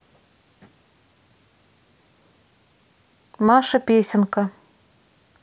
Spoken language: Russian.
маша песенка